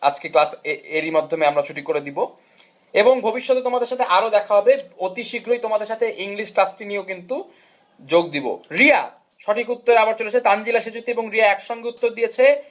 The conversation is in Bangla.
আজকে ক্লাস এরই মাধ্যমে আমরা ছুটি করে দিব এবং ভবিষ্যতে তোমাদের সাথে আরও দেখা হবে অতি শীঘ্রই তোমাদের সাথে ইংলিশ ক্লাস টি নিয়েও কিন্তু যোগ দিব রিয়া সঠিক উত্তর আবার চলে এসেছে তানজিলা সেঁজুতি এবং রিয়া একসঙ্গে উত্তর দিয়েছে